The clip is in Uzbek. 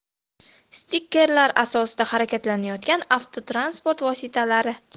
stikerlar asosida harakatlanayotgan avtotransport vositalari